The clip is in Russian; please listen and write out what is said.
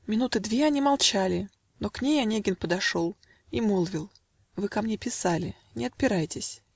Минуты две они молчали, Но к ней Онегин подошел И молвил: "Вы ко мне писали, Не отпирайтесь.